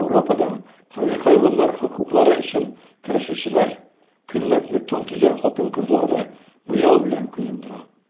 Ауропада кыргый хайваннар хокуклары өчен көрәшүчеләр кыйммәтле тун кигән хатын-кызларны буяу белән коендыра.